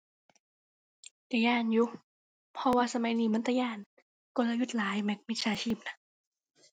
ก็ย้านอยู่ เพราะว่าสมัยนี้มันตาย้าน กลยุทธ์หลายแหม มิจฉาชีพน่ะ